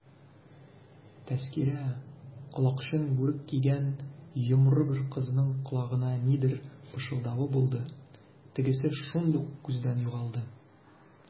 Тәзкирә колакчын бүрек кигән йомры бер кызның колагына нидер пышылдавы булды, тегесе шундук күздән югалды.